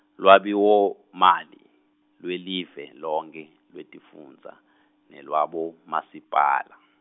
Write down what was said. Lwabiwomali lwelive lonkhe lwetifundza nelwabomasipala.